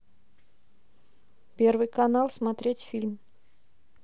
первй канал смотреть фильм